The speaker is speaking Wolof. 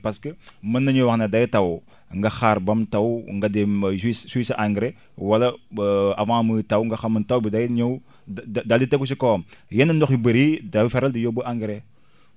parce que mën nañu wax ne day taw nga xaar ba mu taw nga dem ji suy sa engrais wala ba avant muy taw nga xam ne taw bi day ñëw da daal di tegu si kawam yenn ndox yu bëri yi day faral di yóbbu engrais